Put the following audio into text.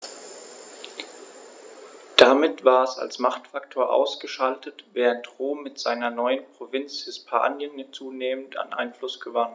Damit war es als Machtfaktor ausgeschaltet, während Rom mit seiner neuen Provinz Hispanien zunehmend an Einfluss gewann.